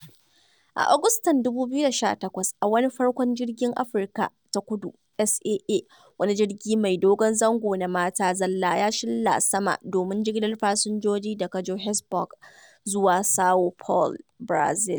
A Agustan 2018, a wani farkon jirgin Afirka ta Kudu SAA, wani jirgi mai dogon zango na mata zalla ya shilla sama domin jigilar fasinjoji daga Johnnesburg zuwa Sao Paulo, Barazil.